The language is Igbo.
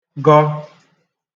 gọ